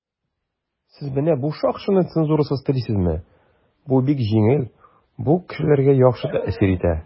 "сез менә бу шакшыны цензурасыз телисезме?" - бу бик җиңел, бу кешеләргә яхшы тәэсир итә.